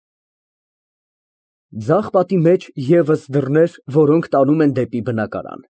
Ձախ պատի մեջ ևս դռներ, որոնք տանում են դեպի բնակարան։